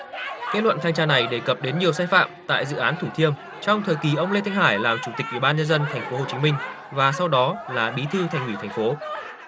kết luận thanh tra này đề cập đến nhiều sai phạm tại dự án thủ thiêm trong thời kỳ ông lê thanh hải làm chủ tịch ủy ban nhân dân thành phố hồ chí minh và sau đó là bí thư thành ủy thành phố